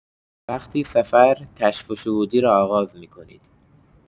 وقتی سفر کشف‌وشهودی را آغاز می‌کنید